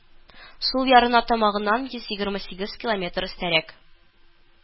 Сул ярына тамагыннан йөз егерме сигез километр өстәрәк